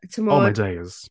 Timod... oh my days.